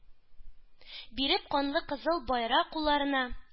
Биреп канлы кызыл байрак кулларына,